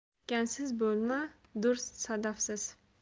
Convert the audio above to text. gul tikansiz bo'lmas dur sadafsiz